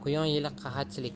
quyon yili qahatchilik